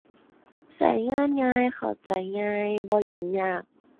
ใช้งานง่าย เข้าใจง่าย บ่ยุ่งยาก